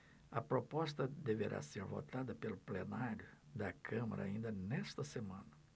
a proposta deverá ser votada pelo plenário da câmara ainda nesta semana